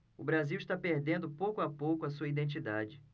o brasil está perdendo pouco a pouco a sua identidade